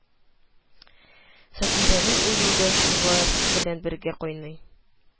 Сатирәнең үлүе дә шулар белән бергә кайный